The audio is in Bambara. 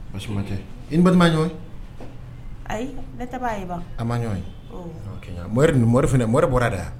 Baasii ma tɛ.I ni Batɔma ye ɲɔgɔn ye?. Ayi, Ne tɛ b'a ye ba, Mohamɛdi dun? Mohamɛdi fana, Mohamɛdi bɔra de wa ?